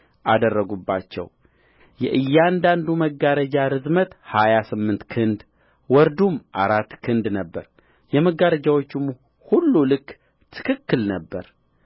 አደረጉባቸው የእያንዳንዱ መጋረጃ ርዝመት ሀያ ስምንት ክንድ ወርዱም አራት ክንድ ነበረ የመጋረጆቹ ሁሉ ልክ ትክክል ነበረ